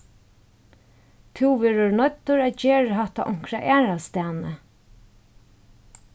tú verður noyddur at gera hatta onkra aðrastaðni